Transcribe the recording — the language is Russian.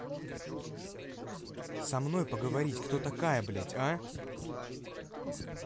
со мной поговорить кто такая блядь а